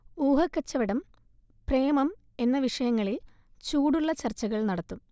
ഊഹക്കച്ചവടം, പ്രേമം എന്ന വിഷയങ്ങളിൽ ചൂടുള്ള ചർച്ചകൾ നടത്തും